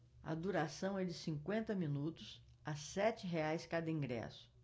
a duração é de cinquenta minutos a sete reais cada ingresso